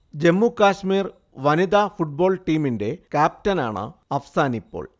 ജമ്മു കശ്മീർ വനിതാ ഫുട്ബോൾ ടീമിന്റെ ക്യാപ്റ്റനാണ് അഫ്സാനിപ്പോൾ